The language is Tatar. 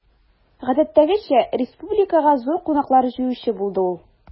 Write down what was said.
Гадәттәгечә, республикага зур кунаклар җыючы булды ул.